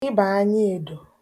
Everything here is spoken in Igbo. ịbàanyaèdò